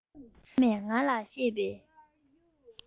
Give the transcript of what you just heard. ཨ མས ང ལ བཤད པའི